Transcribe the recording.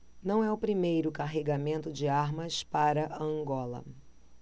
não é o primeiro carregamento de armas para angola